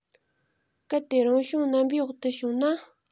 གལ ཏེ རང བྱུང རྣམ པའི འོག ཏུ བྱུང ན